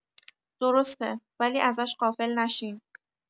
درسته.. ولی ازش غافل نشین